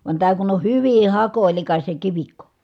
vaan tämä kun on hyvin hakoilikas ja kivikko